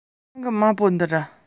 མིན ན སྐར གྲངས